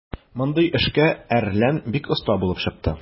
Мондый эшкә "Әрлән" бик оста булып чыкты.